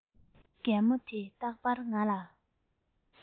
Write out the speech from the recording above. རྒན མོ དེས རྟག པར ང ལ